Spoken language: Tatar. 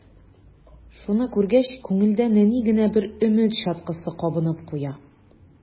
Шуны күргәч, күңелдә нәни генә бер өмет чаткысы кабынып куя.